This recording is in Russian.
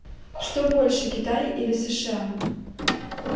что больше китай или сша